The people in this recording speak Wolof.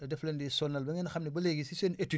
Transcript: daf leen di sonal ba ngeen xam ne ba léegi si seen étude : fra